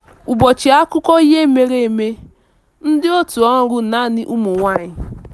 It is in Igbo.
ỤBỌCHỊ AKỤKỌ IHE MERE EME - Ndị òtù ọrụ naanị ụmụnwaanyị.